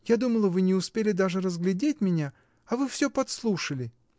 — Я думала, вы не успели даже разглядеть меня, а вы всё подслушали!